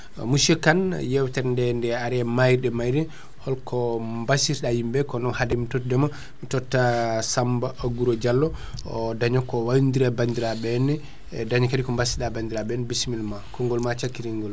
monsieur Kane yewtere nde nde ari e mayirɗe mayre ko bassiytoɗa yimɓeɓe kono hadde mi tottude ma mi toota Samba Guro Diallo o daña ko waynodire ebandirɓeɓe henne e daña kadi ko bassiyɗa bandiraɓe henna bissimilla am